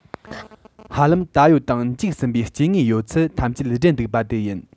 ཧ ལམ ད ཡོད དང འཇིག ཟིན པའི སྐྱེ དངོས ཡོད ཚད ཐམས ཅད སྦྲེལ འདུག པ དེ ཡིན